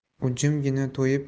u jimgina to'yib